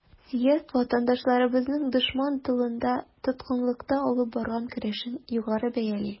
Съезд ватандашларыбызның дошман тылында, тоткынлыкта алып барган көрәшен югары бәяли.